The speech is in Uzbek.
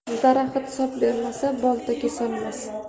daraxt sop bermasa bolta kesolmas